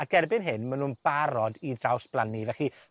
ac erbyn hyn ma' nw'n barod i drawsblannu. Felly,